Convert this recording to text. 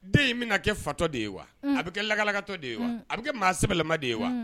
Den in bɛna kɛ fatɔ de ye wa a bɛ kɛ lakalakatɔ de ye wa a bɛ kɛ maa sɛbɛɛlɛlama de ye wa